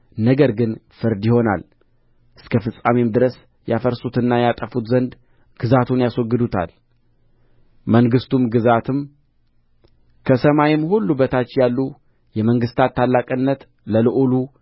ነገር ግን ፍርድ ይሆናል እስከ ፍጻሜም ድረስ ያፈርሱትና ያጠፉት ዘንድ ግዛቱን ያስወግዱታል መንግሥትም ግዛትም ከሰማይም ሁሉ በታች ያሉ የመንግሥታት ታላቅነት ለልዑሉ